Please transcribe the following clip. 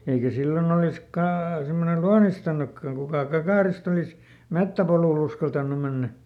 eikä silloin olisi - semmoinen luonnistunutkaan kukaan kakaroista olisi metsäpolulle uskaltanut mennä